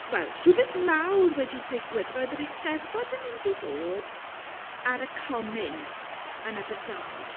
wel rhywbeth mawr wedi digwydd, roedd yr eisteddfod yn mynd i fod ar y comin yn Aberdâr.